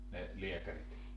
ne lääkärit